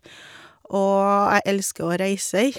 Og jeg elsker å reiser.